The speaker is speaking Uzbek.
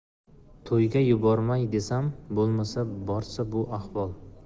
to'yga yubormay desam bo'lmasa borsa bu ahvol